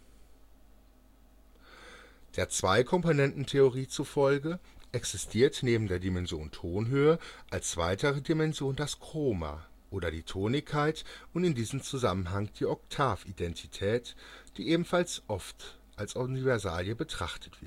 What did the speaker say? Zweikomponententheorie von Révész (1913) zufolge existiert neben der Dimension Tonhöhe als weitere Dimension das Chroma oder die Tonigkeit und in diesem Zusammenhang die Oktavidentität, die ebenfalls oft als Universalie betrachtet